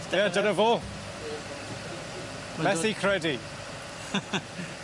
Ie dyna fo, methu credu.